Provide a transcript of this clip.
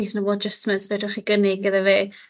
reasonable adjustments fedrwch chi gynnig iddo fi.